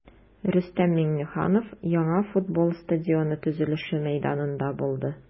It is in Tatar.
Рөстәм Миңнеханов яңа футбол стадионы төзелеше мәйданында булды.